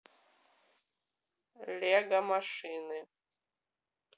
лего машины